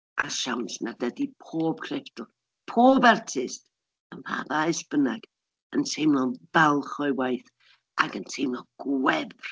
A siawns nad ydy pob crefftwr, pob artist, ym mha faes bynnag, yn teimlo'n falch o'i waith ac yn teimlo gwefr.